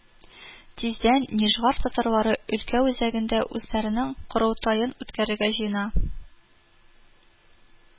Тиздән Нижгар татарлары өлкә үзәгендә үзләренең Корылтаен үткәрергә җыена